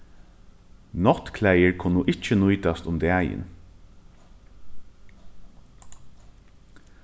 náttklæðir kunnu ikki nýtast um dagin